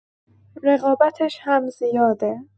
رقابتش هم زیاده.